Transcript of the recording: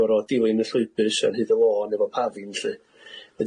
gor'o' dilyn y llwybyr sy' ar hyd y lôn efo pafin 'lly.